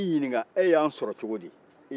u b'i ɲinika